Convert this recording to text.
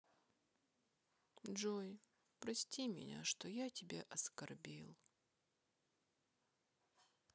джой прости меня что я тебя оскорбил